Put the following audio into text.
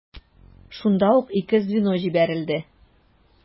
Шунда ук ике звено җибәрелде.